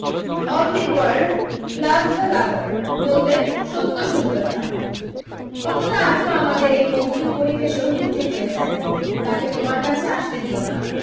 all the world loves the lover বলতেন সত্যসুন্দরদা কথাটা আজও আমাদের এই পঙ্কিল পরিবেশেও মিথ্যে হয়ে যায় নি তাকে তোমার কাছে আসতে দিও না আর